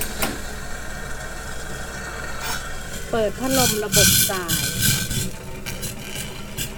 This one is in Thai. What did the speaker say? เปิดพัดลมระบบส่าย